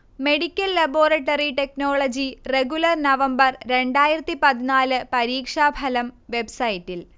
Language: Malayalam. medical laboratory technology regular November രണ്ടായിരത്തി പതിനാല് പരീക്ഷാഫലം വെബ്സൈറ്റിൽ